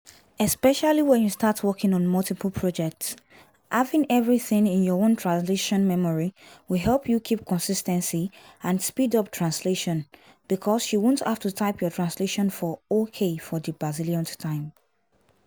Especially when you start working on multiple projects, having everything in your own translation memory will help you keep consistency and speed up translation, because you won’t have to type your translation for “OK” for the bazillionth time.